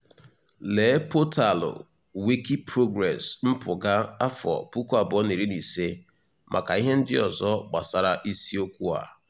Lee pọtalụ Wikiprogress mpụga-2015 maka ihe ndị ọzọ gbasara isiokwu a.